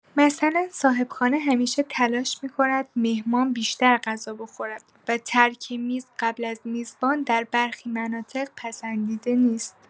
مثلا صاحب‌خانه همیشه تلاش می‌کند مهمان بیشتر غذا بخورد و ترک میز قبل از میزبان در برخی مناطق پسندیده نیست.